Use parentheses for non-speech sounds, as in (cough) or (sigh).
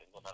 (hesitation)